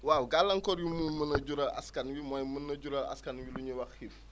waaw gàllankoor yu mu mun a jural askan wi mooy mun na jural askan wi lu ñuy wax xiif